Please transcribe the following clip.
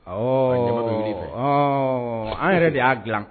Awɔ, an b'o de ɲini, ɔɔ, an yɛrɛ de y'a dilan.